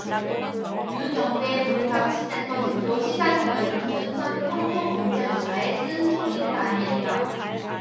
윤영대 본감시센터 대표 시사저널 임준선 평소 검찰수사에 쓴소리를 많이 했다